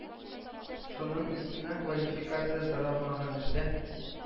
Шуның өстенә квалификация соралмаган эштә